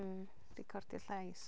Yym recordio llais.